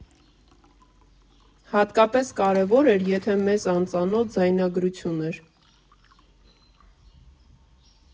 Հատկապես կարևոր էր, եթե մեզ անծանոթ ձայնագրություն էր։